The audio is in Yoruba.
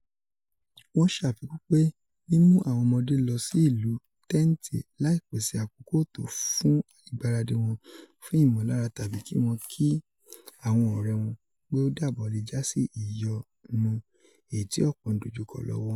Wọn ṣafikun pe mimu awọn ọmọde lọsi ilu tẹnti laipese akoko to fun igbaradi wọn fun imọlara tabi ki wọn ki awọn ọrẹ wọn pe o dabọ le jasi iyọnueyi ti ọpọ n dojukọ lọwọ.